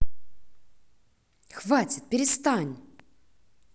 хватит перестань